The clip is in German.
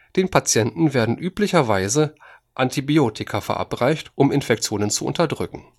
Den Patienten werden üblicherweise Antibiotika verabreicht, um Infektionen zu unterdrücken